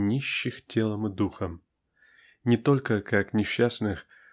нищих телом и дуком не только как несчастных